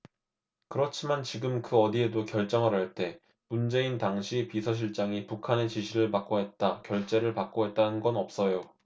그렇지만 지금 그 어디에도 결정을 할 때 문재인 당시 비서실장이 북한의 지시를 받고 했다 결재를 받고 했다는 건 없어요